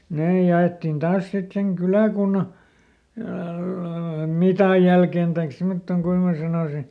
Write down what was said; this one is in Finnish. ne jaettiin taas sitten sen kyläkunnan mitan jälkeen tai semmottoon kuinka minä sanoisin